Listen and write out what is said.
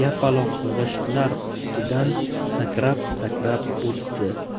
yapaloq g'ishtlar ustidan sakrab sakrab o'tdi